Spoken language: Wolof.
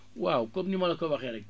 waaw comme ni ma la ko waxee rekk